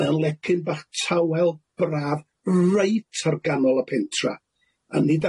mae o'n lecyn bach tawel braf reit ar ganol y pentra, a nid